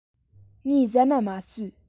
ངས ཟ མ མ ཟོས